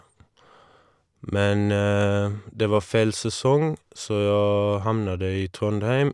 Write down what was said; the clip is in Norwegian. Men det var feil sesong, så jeg havnet i Trondheim.